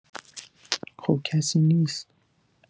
خب کسی نیست